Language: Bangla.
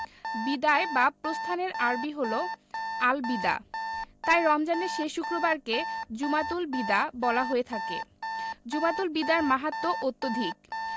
বিদায় বা প্রস্থানের আরবি হলো আল বিদা তাই রমজানের শেষ শুক্রবারকে জুমাতুল বিদা বলা হয়ে থাকে জুমাতুল বিদার মাহাত্ম্য অত্যধিক